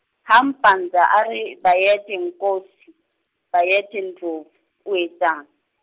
ha Mpanza a re Bayede Nkosi, Bayede Ndlovu, o etsang?